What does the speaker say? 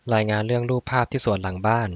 รายงานเรื่องรูปภาพที่สวนหลังบ้าน